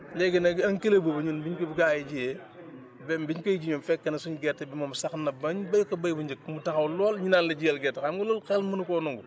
léegi nag un kilo boobu ñun buñ ko bu gaa yi jiyee même biñ koy ji ñoom fekk na suñ gerte bi moom sax na bañ béy ko béy bu njëkk mu taxaw lool ñu naan la jiyal gerte xam nga loolu xel mënu koo nangu